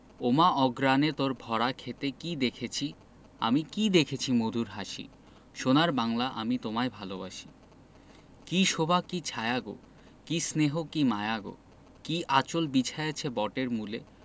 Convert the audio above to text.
ওমা অঘ্রানে তোর ভরা ক্ষেতে কী দেখসি আমি কী দেখেছি মধুর হাসি সোনার বাংলা আমি তোমায় ভালোবাসি কী শোভা কী ছায়া গো কী স্নেহ কী মায়া গো কী আঁচল বিছায়েছ বটের মূলে